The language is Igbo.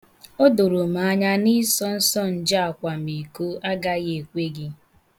Ọ doro m anya na ịsọ nsọ njọ akwamiiko agaghị ekwe gị.